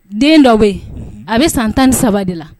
Deen dɔ bɛ yen unhun a bɛ san 13 de la